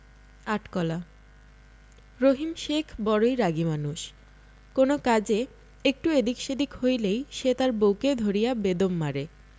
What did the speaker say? আট কলা রহিম শেখ বড়ই রাগী মানুষ কোনো কাজে একটু এদিক সেদিক হইলেই সে তার বউকে ধরিয়া বেদম মারে